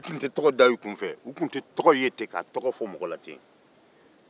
u tun tɛ tɔgɔ da u kun fɛ